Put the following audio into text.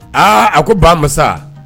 Aa a ko ba